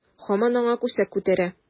Һаман аңа күсәк күтәрә.